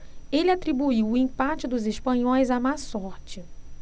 ele atribuiu o empate dos espanhóis à má sorte